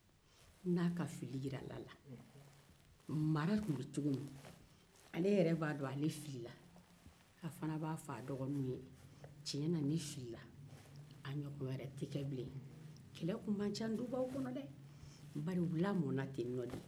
n'a ka fili jirala a la mara tun bɛ cogo min ale yɛrɛ b'a dɔn ale filila a fana b'a fɔ a dɔgɔninw ye tiɲɛna ne filila a ɲɔgɔn wɛrɛ tɛ kɛ bilen kɛlɛ tun man ca dubaw kɔnɔ dɛ bari u lamɔna ten tɔ de